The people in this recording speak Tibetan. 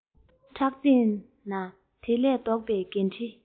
ཕྲག སྟེང ན དེ ལས ལྡོག པའི འགན འཁྲི